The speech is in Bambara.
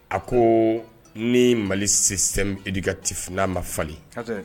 A ko ni mali setifin n'a ma falen